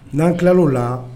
N'an tila l'o la